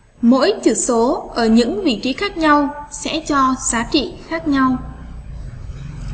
mỗi chữ số ở những vị trí khác nhau sẽ cho giá trị khác nhau